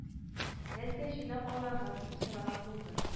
-нәрсә җыйнап алырга? - дип сораган булды.